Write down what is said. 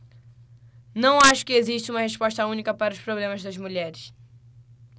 não acho que exista uma resposta única para os problemas das mulheres